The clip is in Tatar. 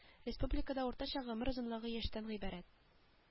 Республикада уртача гомер озынлыгы яшьтән гыйбарәт